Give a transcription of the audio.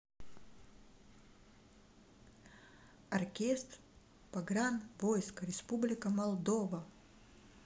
оркестр погран войск республика молдова